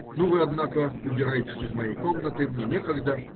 Ну, вы, однако, убирайтесь из моей комнаты; мне некогда.